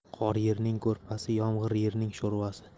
qor yerning ko'rpasi yomg'ir yerning sho'rvasi